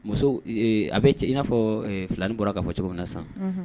Muso a bɛ i n'a fɔ filanin bɔra k'a fɔ cogo min na san